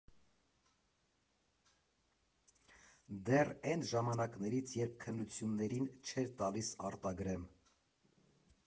Դեռ էն ժամանակներից, երբ քննություններին չէր տալիս արտագրեմ։